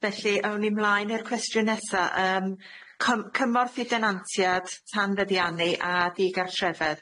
Felly awn ni mlaen i'r cwestiwn nesa yym, cym- cymorth i denantiad tanfeddiannu a di-gartrefedd.